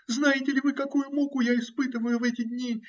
- Знаете ли вы, какую муку я испытываю в эти дни?